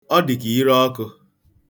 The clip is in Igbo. Ọ dịka ireọkụ.